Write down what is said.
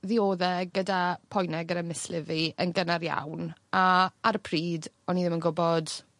ddiodde gyda poene gyda mislif fi yn gynnar iawn a ar y pryd o'n i ddim yn gwbod